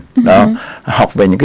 đang học về những